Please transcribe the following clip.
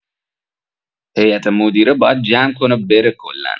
هیئت‌مدیره باید جمع کنه بره کلا